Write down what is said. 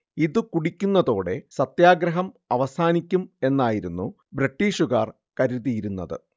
ഇതു കുടിക്കുന്നതോടെ സത്യാഗ്രഹം അവസാനിക്കും എന്നായിരുന്നു ബ്രിട്ടീഷുകാർ കരുതിയിരുന്നത്